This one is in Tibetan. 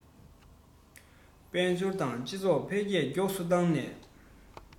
དཔལ འབྱོར དང སྤྱི ཚོགས འཕེལ རྒྱས མགྱོགས སུ བཏང ནས